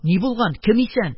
Ни булган? Кем исән?